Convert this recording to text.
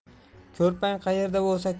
ko'rpang qayerda bo'lsa